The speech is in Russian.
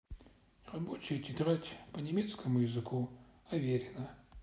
рабочая тетрадь по немецкому языку аверина